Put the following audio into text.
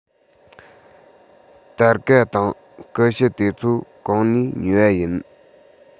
སྟར ཁ དང ཀུ ཤུ དེ ཚོ གང ནས ཉོས པ ཡིན